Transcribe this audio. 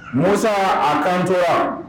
Musa a kantora